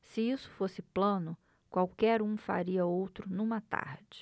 se isso fosse plano qualquer um faria outro numa tarde